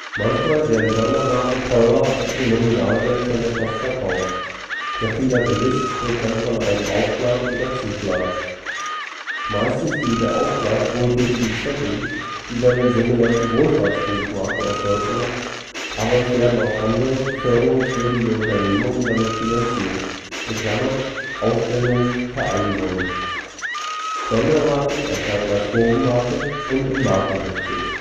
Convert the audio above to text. Manchmal werden Sondermarken teurer als ihr Nominalwert von der Post verkauft. Der Philatelist spricht von einem „ Aufschlag “oder „ Zuschlag “. Meistens dient der Aufschlag wohltätigen Zwecken, wie bei den so genannten Wohlfahrtsbriefmarken aus Deutschland, aber es werden auch andere förderungswürdige Unternehmungen damit finanziert (Ausstellungen, Vereinigungen, …). Sondermarken erscheinen als Bogenmarke und in Markenheftchen